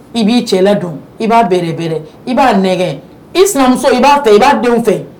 I b'i cɛ la dɔn i b'a bɛrɛ bɛrɛ i b'a nɛgɛn i sinamuso i b'a fɛ i b'a denw fɛ.